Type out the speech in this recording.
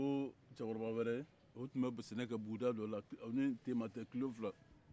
o ye cɛkɔrɔba wɛrɛ ye o tun bɛ sɛnɛ kɛ buguda dɔ la o ni tema cɛ kilo fila